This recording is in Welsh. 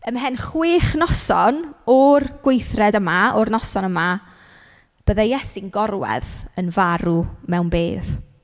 Ymhen chwech noson o'r gweithred yma o'r noson yma byddai Iesu'n gorwedd yn farw mewn bedd.